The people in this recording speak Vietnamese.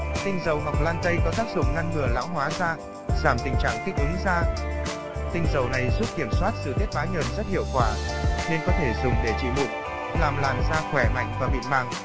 tinh dầu ngọc lan tây có tác dụng ngăn ngừa lão hóa da giảm tình trạng kích ứng da tinh dầu này giúp kiểm soát sự tiết bã nhờn rất hiệu quả nên có thể dùng để trị mụn làm làn da khỏe mạnh và mịn màng